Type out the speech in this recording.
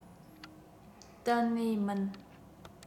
གཏན ནས མིན